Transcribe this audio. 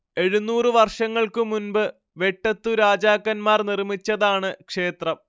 എഴുന്നൂറ് വർഷങ്ങൾക്കു മുൻപ് വെട്ടത്തു രാജാക്കൻമാർ നിർമ്മിച്ചതാണ് ക്ഷേത്രം